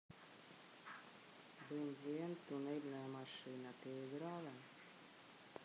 bendy and тунельная машина ты играла